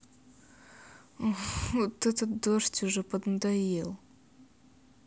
ох вот этот дождь уже поднадоел